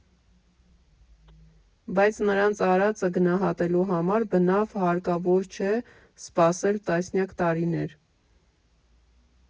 Բայց նրանց արածը գնահատելու համար բնավ հարկավոր չէ սպասել տասնյակ տարիներ։